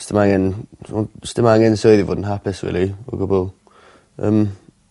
Sdim angen t'mo' sdim angen swydd i bod yn hapus rili. O gwbwl. Yym.